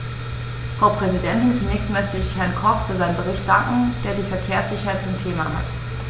Frau Präsidentin, zunächst möchte ich Herrn Koch für seinen Bericht danken, der die Verkehrssicherheit zum Thema hat.